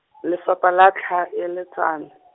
Lefapha la Tlhaeletsano.